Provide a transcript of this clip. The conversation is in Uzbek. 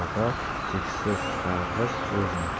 topar jiksiz qarg'ish o'zini